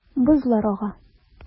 Бозлар ага.